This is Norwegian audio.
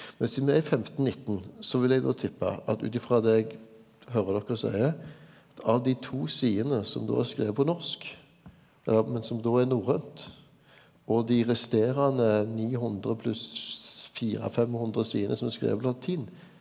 men sidan det er 1519 så vil eg då tippa at utifrå det eg høyrer dokker seier av dei to sidene som då er skrive på norsk eller men som då er norrønt og dei resterande 900 pluss fire 500 sidene som er skrive på latin,